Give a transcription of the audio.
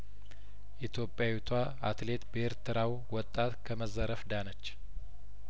ኢትዮጵያዊቷ አትሌት በኤርትራው ወጣት ከመዘረፍ ዳነች